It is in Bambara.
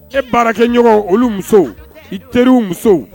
E baarakɛ ɲɔgɔn olu muso i teri musow